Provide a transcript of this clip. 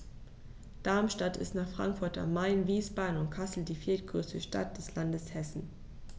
Darmstadt ist nach Frankfurt am Main, Wiesbaden und Kassel die viertgrößte Stadt des Landes Hessen